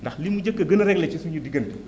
ndax li mu njëkk a gën a réglé ci suñu diggante